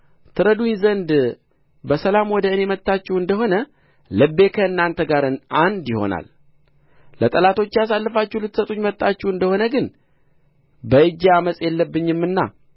ትረዱኝ ዘንድ በሠላም ወደ እኔ መጥታችሁ እንደ ሆነ ልቤ ከእናንተ ጋር አንድ ይሆናል ለጠላቶቼ አሳልፋችሁ ልትሰጡኝ መጥታችሁ እንደሆነ ግን በእጄ ዓመፅ የለብኝምና